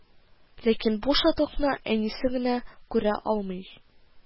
Ләкин бу шатлыкны әнисе генә күрә алмый